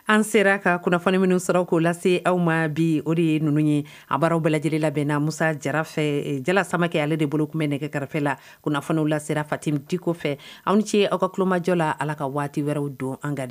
An sera ka kunnafoni minnu sɔrɔ k'o lase aw ma bi o de ye ninnu ye a baararaw bɛɛ lajɛlen labɛn bɛnna musa jara jala samakɛ ale de bolo tun bɛ nɛgɛ kɛrɛfɛ la kunnafoniw la sera fatidi kɔfɛ anw cɛ aw ka kulomajɔ la ala ka waati wɛrɛw don an kadi